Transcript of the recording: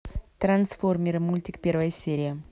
трансформеры мультик первая серия